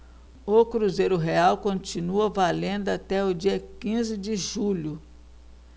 o cruzeiro real continua valendo até o dia quinze de julho